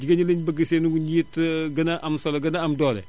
jigéen ñi lañu bëgg seenug njiit gën a solo gën a am doole